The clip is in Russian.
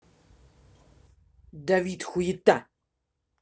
давид хуета